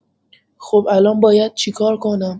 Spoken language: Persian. خب الان باید چیکار کنم؟